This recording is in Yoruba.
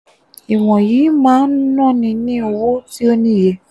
Ìwọ̀nyìí máa ń náni ní owó tí ó níye.